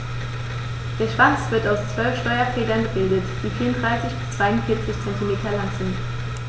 Der Schwanz wird aus 12 Steuerfedern gebildet, die 34 bis 42 cm lang sind.